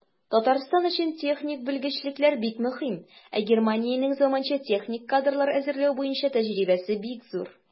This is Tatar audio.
Татарстан өчен техник белгечлекләр бик мөһим, ә Германиянең заманча техник кадрлар әзерләү буенча тәҗрибәсе бик зур.